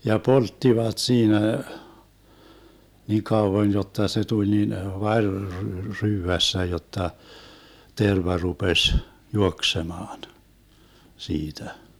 ja polttivat siinä niin kauan jotta se tuli niin vari - ryydässä jotta terva rupesi juoksemaan siitä